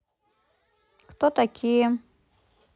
кто такие